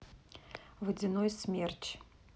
водяной смерч